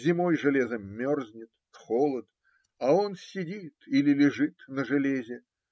Зимой железо мерзнет, холод, а он сидит или лежит на железе.